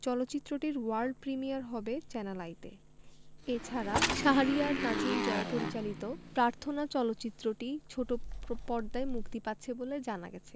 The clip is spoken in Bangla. চলচ্চিত্রটির ওয়ার্ল্ড প্রিমিয়ার হবে চ্যানেল আইতে এ ছাড়া শাহরিয়ার নাজিম জয় পরিচালিত প্রার্থনা চলচ্চিত্রটি ছোট পর্দায় মুক্তি পাচ্ছে বলে জানা গেছে